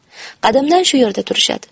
qadimdan shu yerda turishadi